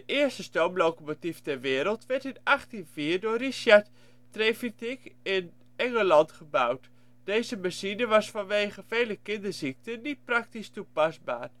eerste stoomlocomotief ter wereld werd in 1804 door Richard Trevithick in Engeland gebouwd. Deze machine was vanwege vele kinderziekten niet praktisch toepasbaar